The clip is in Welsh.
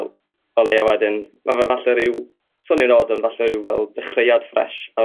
wel o'leia wedyn ma' fe falle ryw... swnio'n od ond falle fel ryw dechreuad ffres ar